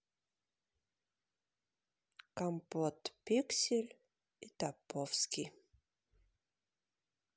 компот пиксель и топовский